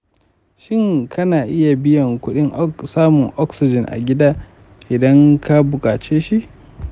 shin kana iya biyan kuɗin samun oxygen a gida idan ka buƙace shi?